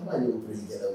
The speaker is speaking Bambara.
' yɛrɛ